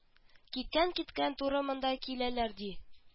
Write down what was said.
Киткән киткән туры монда киләләр ди